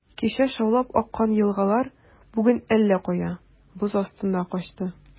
Кичә шаулап аккан елгалар бүген әллә кая, боз астына качты.